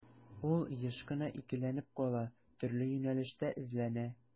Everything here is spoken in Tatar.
Ул еш кына икеләнеп кала, төрле юнәлештә эзләнә.